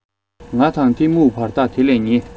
ང དང གཏི མུག བར ཐག དེ ལས ཉེ